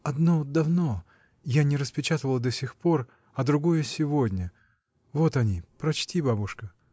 — Одно давно: я не распечатывала до сих пор, а другое сегодня. Вот они: прочти, бабушка.